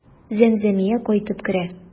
Зәмзәмия кайтып керә.